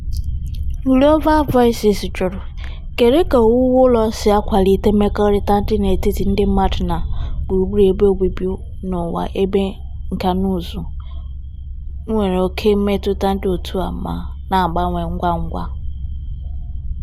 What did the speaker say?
GV: Kedụ ka owuwu ụlọ si akwalite mmekọrịta dị n'etiti ndị mmadụ na gburugburu ebe obibi n'ụwa ebe nkànaụzụ nwere oké mmetụta dị otú a ma na-agbanwe ngwa ngwa?